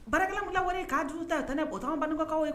Barake wulilawale k'a juru ta ye tan bɔta an bangekaw